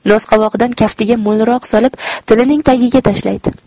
nosqovog'idan kaftiga mo'lroq solib tilining tagiga tashlaydi